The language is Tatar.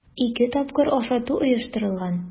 Ике тапкыр ашату оештырылган.